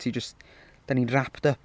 Ti jyst, dan ni'n wrapped up...